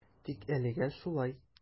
Тик әлегә шулай.